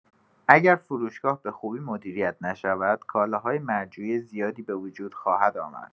اگر فروشگاه به خوبی مدیریت نشود، کالاهای مرجوعی زیادی به وجود خواهد آمد.